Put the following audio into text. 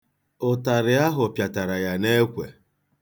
Ụtarị ahụ pịatara ya n'ekwe.